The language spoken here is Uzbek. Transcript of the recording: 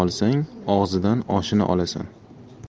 olsang og'zidan oshini olasan